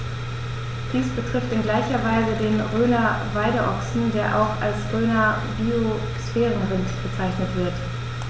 Dies betrifft in gleicher Weise den Rhöner Weideochsen, der auch als Rhöner Biosphärenrind bezeichnet wird.